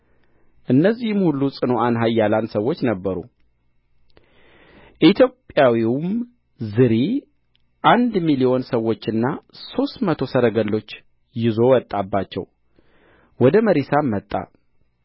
እነዚህም ሁሉ ጽኑዓን ኃያላን ሰዎች ነበሩ ኢትዮጵያዊውም ዝሪ አንድ ሚሊዮን ሰዎችና ሦስት መቶ ሰረገሎች ይዞ ወጣባቸው ወደ መሪሳም መጣ